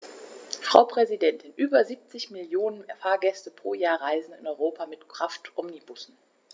Frau Präsidentin, über 70 Millionen Fahrgäste pro Jahr reisen in Europa mit Kraftomnibussen.